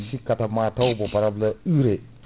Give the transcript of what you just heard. sikkata mataw ko probléme IRE